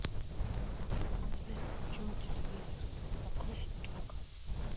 сбер а почему телевизор так грузит только